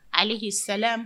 Hali k'i sa